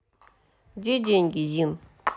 где деньги зин